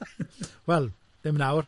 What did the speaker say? Wel, ddim nawr.